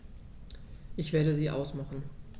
Ich werde sie ausmachen.